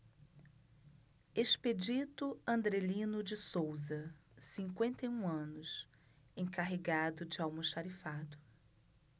expedito andrelino de souza cinquenta e um anos encarregado de almoxarifado